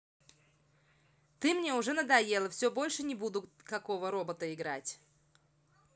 ты мне уже надоела все больше не буду какого робота играть